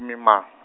-mima-.